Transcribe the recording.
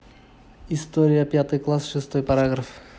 история пятый класс шестой параграф